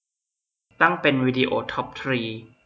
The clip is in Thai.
ตั้งเป็นวิดีโอทอปทรี